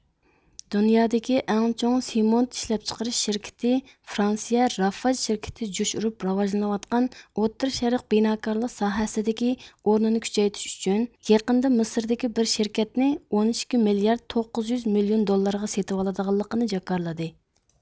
دۇنيادىكى ئەڭ چوڭ سېمونت ئىشلەپچىقىرىش شىركىتى فرانسىيە رافاج شىركىتى جۇش ئۇرۇپ راۋاجلىنىۋاتقان ئوتتۇرا شەرق بىناكارلىق ساھەسىدىكى ئورنىنى كۈچەيتىش ئۈچۈن يېقىندا مىسىردىكى بىر شىركەتنى ئون ئىككى مىليارد توققۇز يۈز مىليون دوللارغا سېتىۋالىدىغانلىقىنى جاكارلىدى